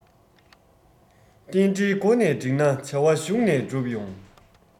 རྟེན འབྲེལ མགོ ནས འགྲིག ན བྱ བ གཞུག ནས འགྲུབ ཡོང